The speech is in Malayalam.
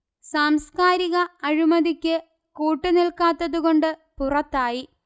സാംസ്കാരിക അഴിമതിക്ക് കൂട്ടുനില്ക്കാത്തതുകൊണ്ട് പുറത്തായി